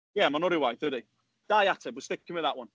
Ie, mae'n wrywaidd dydy. Dau ateb, we're sticking with that one.